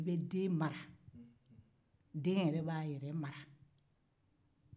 i bɛ den mara den b'a yɛrɛ mara